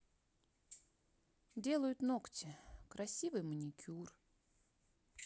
делают ногти красивый маникюр